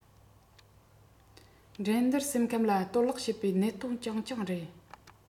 འགྲན བསྡུར སེམས ཁམས ལ གཏོར བརླག བྱེད པའི གནད དོན རྐྱང རྐྱང རེད